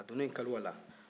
a donni kaluwa la